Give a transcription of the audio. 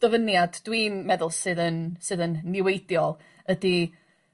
ddyfyniad dwi'n meddwl sydd yn sydd yn niweidiol ydi